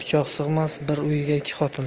sig'mas bir uyga ikki xotin